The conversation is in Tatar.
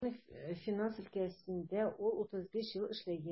Баулының финанс өлкәсендә ул 35 ел эшләгән.